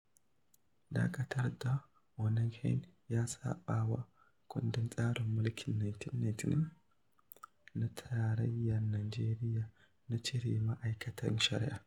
Dakatar da Onnoghen ya saɓa wa kundin tsarin mulkin 1999 na Tarayyar Najeriya na cire ma'aikatan shari'a.